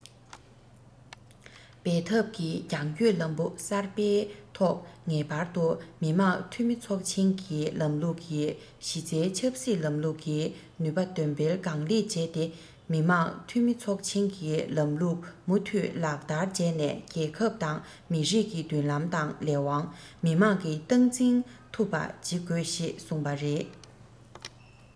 འབད འཐབ ཀྱི རྒྱང སྐྱོད ལམ བུ གསར པའི ཐོག ངེས པར དུ མི དམངས འཐུས མི ཚོགས ཆེན གྱི ལམ ལུགས ཀྱི གཞི རྩའི ཆབ སྲིད ལམ ལུགས ཀྱི ནུས པ འདོན སྤེལ གང ལེགས བྱས ཏེ མི དམངས འཐུས མི ཚོགས ཆེན གྱི ལམ ལུགས མུ མཐུད ལག བསྟར བྱས ནས རྒྱལ ཁབ དང མི རིགས ཀྱི མདུན ལམ དང ལས དབང མི དམངས ཀྱིས སྟངས འཛིན ཐུབ པ བྱེད དགོས ཞེས གསུངས པ རེད